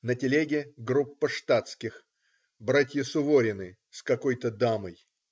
На телеге - группа штатских: братья Суворины с какой-то дамой.